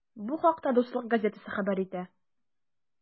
Бу хакта “Дуслык” газетасы хәбәр итә.